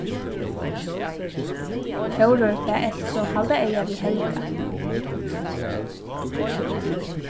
tórður bað elsu halda eyga við helga